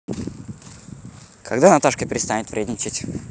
когда наташка перестанет вредничать